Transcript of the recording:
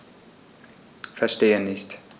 Verstehe nicht.